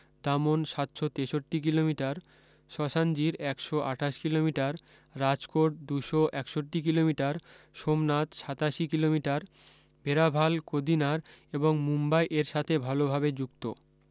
দামন সাতশ তেষট্টি কিলোমিটার সসাঞ্জির একশ আঠাশ কিলোমিটার রাজকোট দুশো একষট্টি কিলোমিটার সোমনাথ সাতাশি কিলোমিটার ভেরাভাল কোদিনার এবং মুম্বাই এর সাথে ভালোভাবে যুক্ত